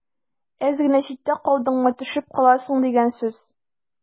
Әз генә читтә калдыңмы – төшеп каласың дигән сүз.